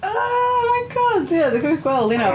Oh my God, ia, dwi'n cofio gweld rheina.